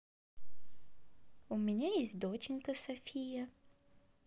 у меня есть доченька софия